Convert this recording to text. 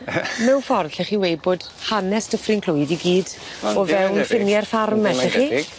Mewn ffordd 'llech chi weud bod hanes Dyffryn Clwyd i gyd o fewn ffiniau'r ffarm ellech chi?